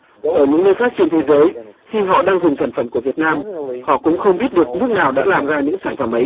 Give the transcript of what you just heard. ở những nơi khác trên thế giới khi họ đang dùng sản phẩm của việt nam họ cũng không biết được nước nào đã làm ra những sản phẩm ấy